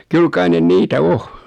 kyllä kai ne niitä on